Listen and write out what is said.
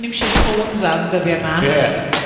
iwsio'u ffôns am dyddie 'ma. Ie!